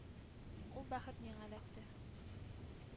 Ул бәхет миңа эләкте.